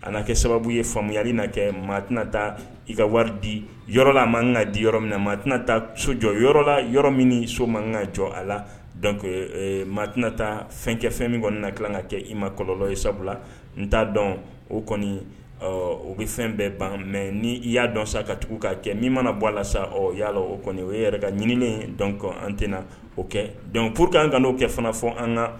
An' kɛ sababu ye faamuyamuya kɛ ma tɛnata i ka wari di yɔrɔla ma ka di yɔrɔ min na maa tɛnata so jɔ yɔrɔ la yɔrɔ min so ma kan ka jɔ a la ma tɛnainata fɛn kɛ fɛn min kɔni na tila ka kɛ i ma kɔlɔlɔ ye sabula n t'a dɔn o kɔni o bɛ fɛn bɛɛ ban mɛ ni i y'a dɔn sa ka tugu' kɛ min mana bɔ a la sa y'a o kɔni o yɛrɛ ka ɲinin dɔn an tɛna na o kɛ dɔnkuc pour que an ka n'o kɛ fana fɔ an kan